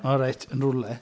O reit, yn rhywle.